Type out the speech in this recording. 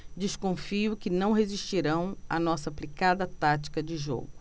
desconfio que não resistirão à nossa aplicada tática de jogo